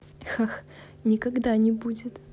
хах никогда не будет